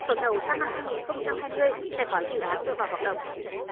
phấn đấu sang năm hai nghìn không trăm hai mươi sẽ có dự án đưa vào hoạt động